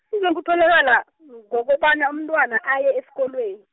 izokutholakala, ngokobana umntwana aye esikolweni.